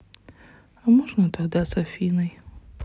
а можно тогда с афиной